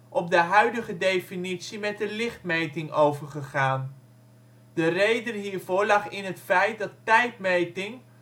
op de huidige definitie met de lichtmeting overgegaan. De reden hiervoor lag in het feit, dat tijdmeting